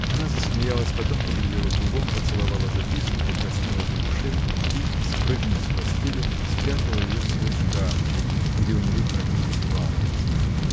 Она засмеялась, потом поглядела кругом, поцеловала записку, покраснела до ушей и, спрыгнув с постели, спрятала ее в свой шкапчик, где у нее хранились лакомства.